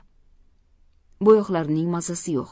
bo'yoqlarimning mazasi yo'q